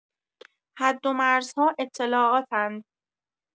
حدومرزها اطلاعات‌اند.